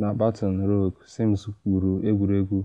na Baton Rouge, Sims gwuru egwuregwu